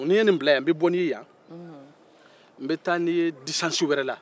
nin n ye nin bila yan n bɛ bɔ n'i ye yan n bɛ taa n'i ye fan wɛrɛ la